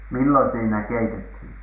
milloin siinä keitettiin